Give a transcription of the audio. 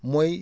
mooy